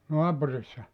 naapurissa